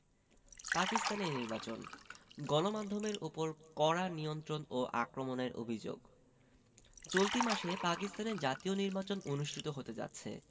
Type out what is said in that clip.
পাকিস্তানে নির্বাচন গণমাধ্যমের ওপর কড়া নিয়ন্ত্রণ ও আক্রমণের অভিযোগ চলতি মাসে পাকিস্তানে জাতীয় নির্বাচন অনুষ্ঠিত হতে যাচ্ছে